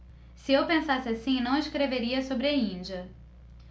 se eu pensasse assim não escreveria sobre a índia